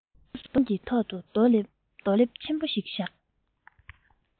རྡོ གསུམ གྱི ཐོག ཏུ རྡོ ལེབ ཆེན པོ ཞིག བཞག